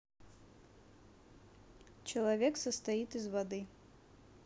человек состоит из воды